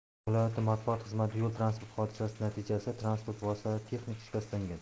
toshkent viloyati matbuot xizmati yo'l transport hodisasi natijasida transport vositalari texnik shikastlangan